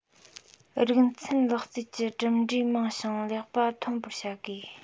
ཚན རིག ལག རྩལ གྱི གྲུབ འབྲས མང ཞིང ལེགས པ འཐོན པར བྱ དགོས